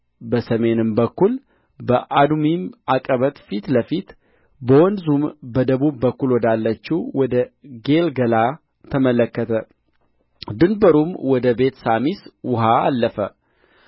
በሰሜን በኩል በአዱሚም ዐቀበት ፊት ለፊት በወንዙ በደቡብ በኩል ወዳለችው ወደ ጌልገላ ተመለከተ ድንበሩም ወደ ቤት ሳሚስ ውኃ አለፈ